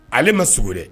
Ale ma s dɛ